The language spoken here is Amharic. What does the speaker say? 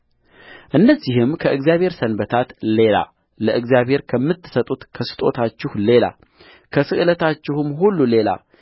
እነዚህም ከእግዚአብሔር ሰንበታት ሌላ ለእግዚአብሔርም ከምትሰጡት ከስጦታችሁ ሌላ ከስእለታችሁም ሁሉ ሌላ